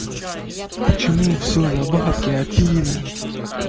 почему все за бабки афина